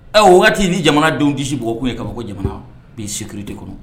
Ɛ wagati ni jamanadenw disi b ye ka ko jamana bin seri de kɔnɔ